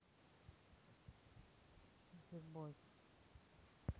зе бойс